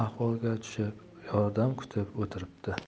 ahvolga tushib yordam kutib o'tiribdi